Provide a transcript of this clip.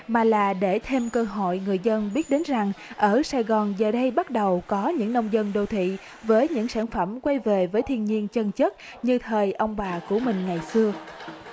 mà là để thêm cơ hội người dân biết đến rằng ở sài gòn giờ đây bắt đầu có những nông dân đô thị với những sản phẩm quay về với thiên nhiên chân chất như thời ông bà của mình ngày xưa